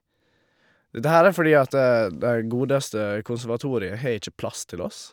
Dette her er fordi at det godeste Konservatoriet har ikke plass til oss.